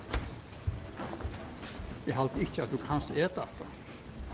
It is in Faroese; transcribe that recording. eg haldi ikki at tú kanst eta hatta